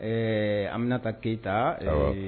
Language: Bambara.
Ɛɛ an bɛna taa keyita